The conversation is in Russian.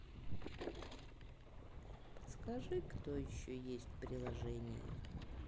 подскажи кто еще есть в приложении